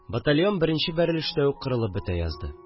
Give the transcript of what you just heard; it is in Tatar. Батальон беренче бәрелештә үк кырылып бетә язды